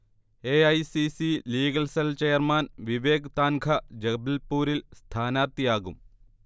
A. I. C. C. Legal cell chairman Vivek Tankha ജബൽപുരിൽ സ്ഥാനാർഥിയാകും